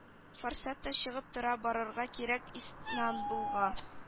Форсат та чыгып тора барырга кирәк истанбулга